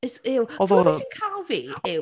It’s, ew. Timod beth sy’n cael fi, yw...